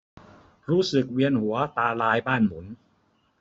รู้สึกเวียนหัวตาลายบ้านหมุน